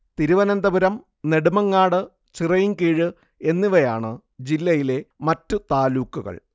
തിരുവനന്തപുരം നെടുമങ്ങാട് ചിറയൻകീഴ് എന്നിവയാണ് ജില്ലയിലെ മറ്റു താലൂക്കുകൾ